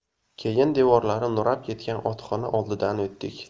keyin devorlari nurab ketgan otxona oldidan o'tdik